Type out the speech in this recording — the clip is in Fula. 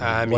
amine